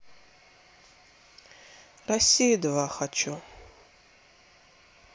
россия два хочу